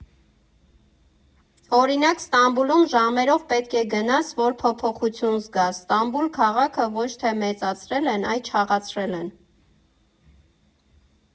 Օրինակ, Ստամբուլում ժամերով պետք է գնաս, որ փոփոխություն զգաս, Ստամբուլ քաղաքը ոչ թե մեծացրել, այլ չաղացրել են.